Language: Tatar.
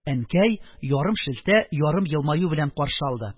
Әнкәй ярым шелтә, ярым елмаю белән каршы алды: